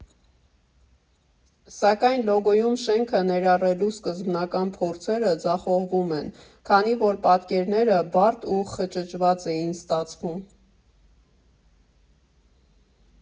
Սակայն լոգոյում շենքը ներառելու սկզբնական փորձերը ձախողվում են, քանի որ պատկերները բարդ և խճճված էին ստացվում.